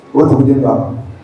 Wa tugu la